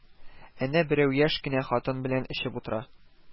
Әнә берәү яшь кенә хатын белән эчеп утыра